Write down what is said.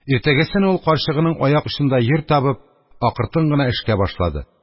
Иртәгесен ул, карчыгының аяк очында йир табып, акыртын гына эшкә башлады.